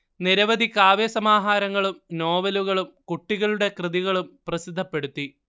നിരവധി കാവ്യ സമാഹാരങ്ങളും നോവലുകളും കുട്ടികളുടെ കൃതികളും പ്രസിദ്ധപ്പെടുത്തി